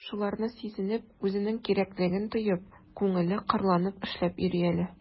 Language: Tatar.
Шуларны сизенеп, үзенең кирәклеген тоеп, күңеле кырланып эшләп йөри әле...